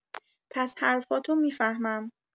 پس حرفاتو می‌فهمم